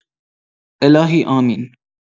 الهی آمین